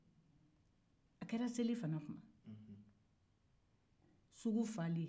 a kɛra sefana tuma sugu falen